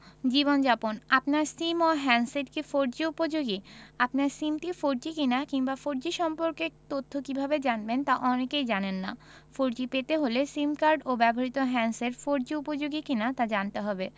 জীবনযাপন আপনার সিম ও হ্যান্ডসেট কি ফোরজি উপযোগী আপনার সিমটি ফোরজি কিনা কিংবা ফোরজি সম্পর্কে তথ্য কীভাবে জানবেন তা অনেকেই জানেন না ফোরজি পেতে হলে সিম কার্ড ও ব্যবহৃত হ্যান্ডসেট ফোরজি উপযোগী কিনা তা জানতে হবে